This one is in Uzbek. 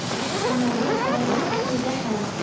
amalga qarama aqlga qara